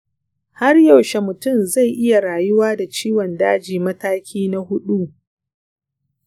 har yaushe mutum zai iya rayuwa da ciwon daji mataki na huɗu?